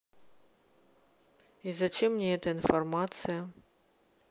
и зачем мне эта информация